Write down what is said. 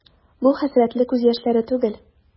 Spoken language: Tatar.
Бу хәсрәтле күз яшьләре түгел.